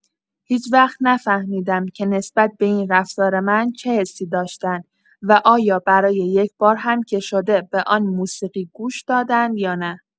هیچ‌وقت نفهمیدم که نسبت به این رفتار من چه حسی داشتند و آیا برای یک‌بار هم که شده به آن موسیقی گوش دادند یا نه.